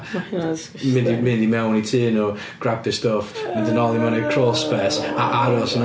Ma hynna'n disgusting... mynd i mynd i mewn i tŷ nhw, grabio stwff, mynd yn ôl i mewn i'r crawl space a aros yna.